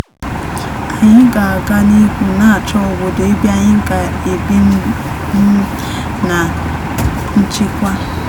Anyị ga-aga n'ihu na-achọ obodo ebe anyị ga-ebinwu na nchekwa.